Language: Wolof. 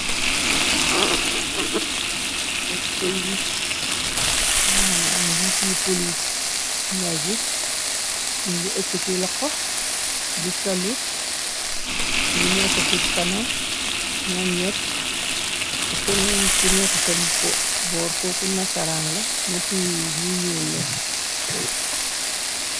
Ay polis maanam njiiti polis ngay gis ñuñ gi ekkiti la xo di salut ñi nekk ci kanam ñoom ñett ak keneen ci nekk seen boor ko kuna sarang la ñetti ñu njuul la.